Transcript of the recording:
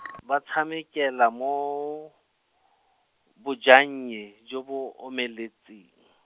ba tshamekela mo, bojannye jo bo, omeletseng.